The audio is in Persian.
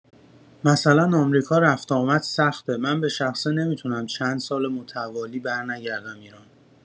مثلا آمریکا رفت آمد سخته من به‌شخصه نمی‌تونم چند سال متوالی برنگردم ایران